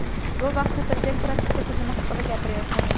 bu vaqtda prezident propiska tizimi haqida gapirayotgan edi